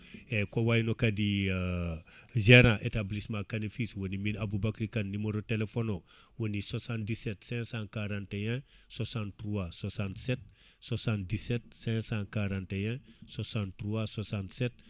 eyyi ko wayno kadi gérant établissement Kane et fils woni min Aboubacry Kane numéro téléphone o woni 77 541 63 67 ,77 541 63 67